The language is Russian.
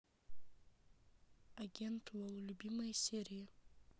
агент лол любимые серии